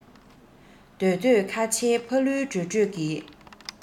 འདོད འདོད ཁ ཆེ ཕ ལུའི གྲོས གྲོས ཀྱི